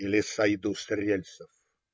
Или сойду с рельсов?